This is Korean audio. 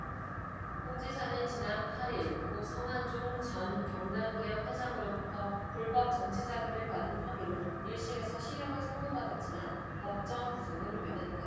홍 지사는 지난 팔 일 고 성완종 전 경남기업 회장으로부터 불법 정치자금을 받은 혐의로 일 심에서 실형을 선고받았지만 법정 구속은 면했다